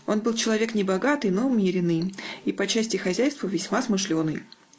Он был человек не богатый, но умеренный, и по части хозяйства весьма смышленый.